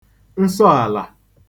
nsọàlà